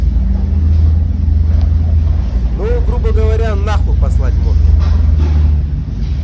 ну грубо говоря на хуй послать можешь